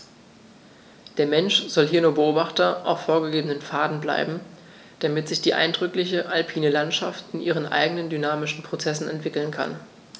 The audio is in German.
Der Mensch soll hier nur Beobachter auf vorgegebenen Pfaden bleiben, damit sich die eindrückliche alpine Landschaft in ihren eigenen dynamischen Prozessen entwickeln kann.